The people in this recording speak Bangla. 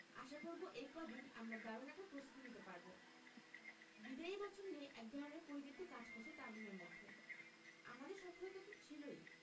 আশা করব এই কদিনে আমরা দারুণ একটা প্রস্তুতি নিতে পারব বিদায়ী বছর নিয়ে একধরনের পরিতৃপ্তি কাজ করছে তামিমের মধ্যে আমাদের সফলতা তো ছিলই